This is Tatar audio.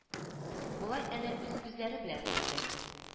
Болай әнә үз күзләре белән күрде